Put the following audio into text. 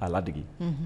Aladeigi